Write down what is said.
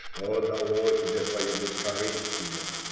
Что дало тебе твое бескорыстие?